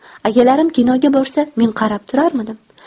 akalarim kinoga borsa men qarab turarmidim